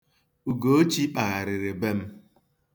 Ugochi kpagharịrị be m.